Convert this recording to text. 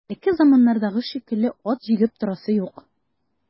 Элекке заманнардагы шикелле ат җигеп торасы юк.